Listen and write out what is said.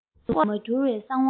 ལྐོག ཏུ མ གྱུར པའི གསང བ